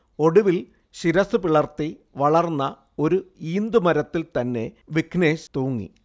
ഒടുവിൽ ശിരസുപിളർത്തി വളർന്ന ഒരു ഈന്തു മരത്തിൽ തന്നെ വിഘ്നേശ് തൂങ്ങി